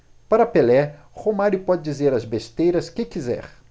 para pelé romário pode dizer as besteiras que quiser